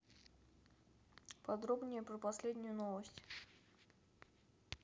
подробнее про последнюю новость